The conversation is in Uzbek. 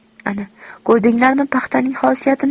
ana ko'rdinglarmi paxtaning xosiyatini